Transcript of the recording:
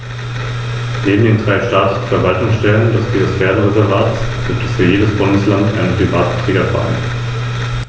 Der Schwanz ist weiß und zeigt eine scharf abgesetzte, breite schwarze Endbinde.